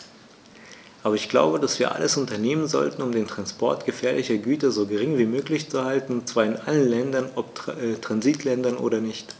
Aber ich glaube, dass wir alles unternehmen sollten, um den Transport gefährlicher Güter so gering wie möglich zu halten, und zwar in allen Ländern, ob Transitländer oder nicht.